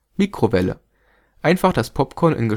Mikrowelle. Einfach das Popcorn